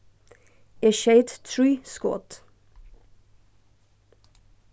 eg skeyt trý skot